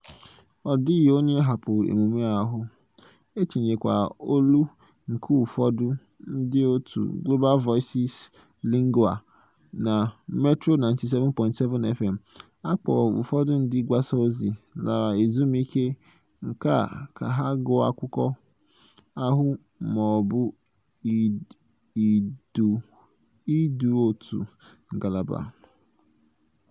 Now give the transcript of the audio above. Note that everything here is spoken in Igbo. Ọ dịghị onye hapụrụ emume ahụ. E tinyekwara olu nke ụfọdụ ndị otu Global Voices Lingua na Metro 97.7FM. A kpọrọ ụfọdụ ndị mgbasa ozi lara ezumike nka ka ha gụọ akụkọ ahụ ma ọ bụ ịdu otu ngalaba.